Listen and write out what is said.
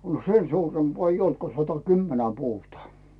no sen suurempaa ei ollut kuin satakymmentä puuta